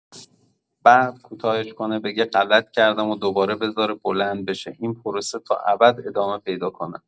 بعد کوتاهش کنه بگه غلط کردم و دوباره بزاره بلند بشه این پروسه تا ابد ادامه پیدا کنه.